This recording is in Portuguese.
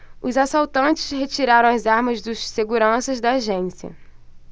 os assaltantes retiraram as armas dos seguranças da agência